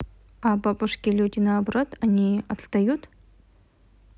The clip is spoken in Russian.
а бабушки люди наоборот они отстают